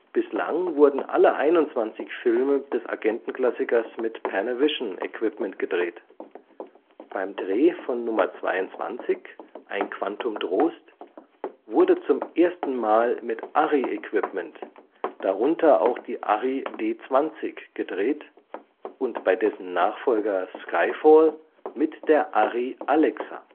Bislang wurden alle 21 Filme des Agentenklassikers mit Panavision-Equipment gedreht. Beim Dreh von Nummer 22 (Ein Quantum Trost) wurde zum ersten Mal mit Arri-Equipment, darunter auch die ARRI D-20, gedreht und bei dessen Nachfolger Skyfall mit der Arri Alexa